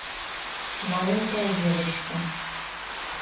маленькая девочка